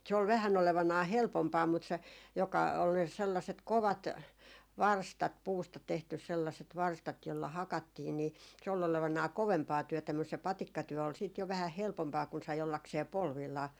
se oli vähän olevinaan helpompaa mutta se joka oli sellaiset kovat varstat puusta tehty sellaiset varstat jolla hakattiin niin se oli olevinaan kovempaa työtä mutta se patikkatyö oli sitten jo vähän helpompaa kun sai ollakseen polvillaan